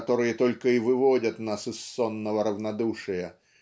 которые только и выводят нас из сонного равнодушия